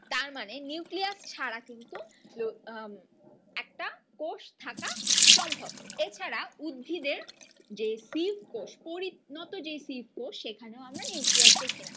তারমানে নিউক্লিয়াস ছাড়া কিন্তু একটা কোষ থাকা সম্ভব এছাড়া উদ্ভিদের যে সিভ কোষ পরিণত যে সিভ কোষ সেখানেও আমরা নিউক্লিয়াস দেখি না